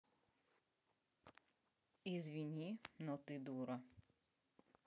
извини но ты дура